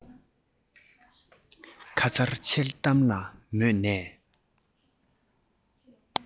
ཁ མཚར འཆལ གཏམ ལ མོས ནས